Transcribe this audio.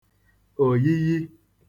òyiyi